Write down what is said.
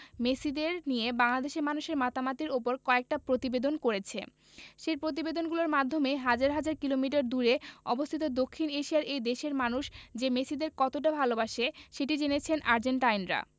মেসিদের নিয়ে বাংলাদেশের মানুষের মাতামাতির ওপর কয়েকটা প্রতিবেদন করেছে সেই প্রতিবেদনগুলোর মাধ্যমেই হাজার হাজার কিলোমিটার দূরে অবস্থিত দক্ষিণ এশিয়ার এই দেশের মানুষ যে মেসিদের কতটা ভালোবাসে সেটি জেনেছেন আর্জেন্টাইনরা